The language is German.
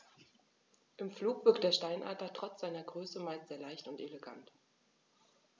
Im Flug wirkt der Steinadler trotz seiner Größe meist sehr leicht und elegant.